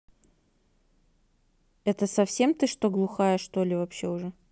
это совсем ты что глухая что ли вообще уже